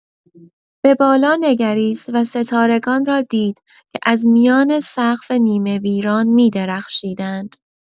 به بالا نگریست و ستارگان را دید که از میان سقف نیمه‌ویران می‌درخشیدند.